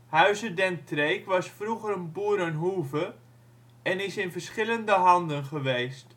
Huize Den Treek was vroeger een boerenhoeve en is in verschillende handen geweest